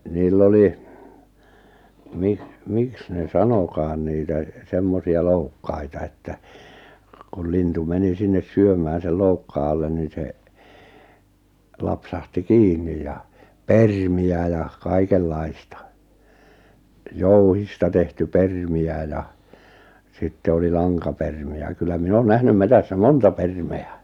niillä oli miksi miksi ne sanotaan niitä semmoisia loukkaita että kun lintu meni sinne syömään sen loukkaan alle niin se lapsahti kiinni ja permejä ja kaikenlaista jouhista tehty permejä ja sitten oli lankapermejä kyllä minä on nähnyt metsässä monta permiä